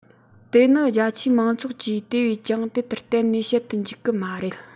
དེ ནི རྒྱ ཆེའི མང ཚོགས ཀྱིས དེ བས ཀྱང དེ ལྟར གཏན ནས བྱེད དུ འཇུག གི མ རེད